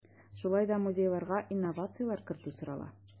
Шулай да музейларга инновацияләр кертү сорала.